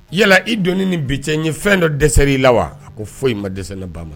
Yala i doni ni bi cɛ n ye fɛn dɔ dɛsɛ i la wa a ko foyi i ma dɛsɛ ne ba ma